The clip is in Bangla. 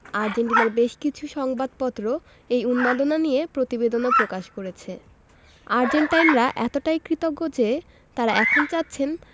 আর্জেন্টিনার বেশ কিছু সংবাদপত্র এই উন্মাদনা নিয়ে প্রতিবেদনও প্রকাশ করেছে আর্জেন্টাইনরা এতটাই কৃতজ্ঞ যে তাঁরা এখন চাচ্ছেন